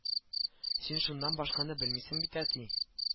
- син шуннан башканы белмисең бит әти